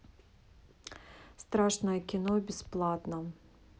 страшное кино бесплатно